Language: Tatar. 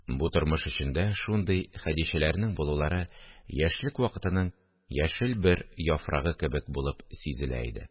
Бу тормыш эчендә шундый Хәдичәләрнең булулары яшьлек вакытының яшел бер яфрагы кебек булып сизелә иде